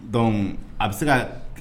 Don a bɛ se ka